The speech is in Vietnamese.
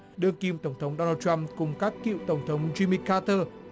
đương kim tổng thống đô na trăm cùng các cựu tổng thống gim mi ca tơ